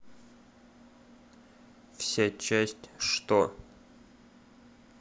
вся часть что